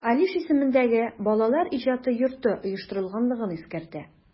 Алиш исемендәге Балалар иҗаты йорты оештырганлыгын искәртә.